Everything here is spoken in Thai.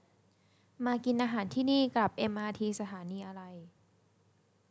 มากินอาหารที่นี่กลับเอมอาทีสถานีอะไร